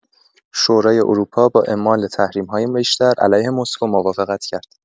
شورای اروپا با اعمال تحریم‌های بیشتر علیه مسکو موافقت کرد.